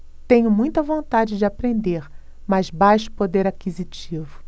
tenho muita vontade de aprender mas baixo poder aquisitivo